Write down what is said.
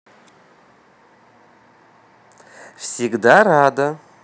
всегда рада